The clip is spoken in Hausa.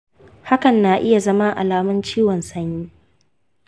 hakan na iya zama alamun ciwon sanyi.